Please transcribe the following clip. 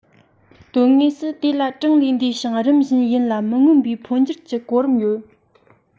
དོན དངོས སུ དེ ལ གྲངས ལས འདས ཤིང རིམ བཞིན ཡིན ལ མི མངོན པའི འཕོ འགྱུར གྱི གོ རིམ ཡོད